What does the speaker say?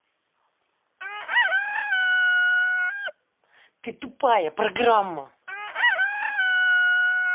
ты тупая программа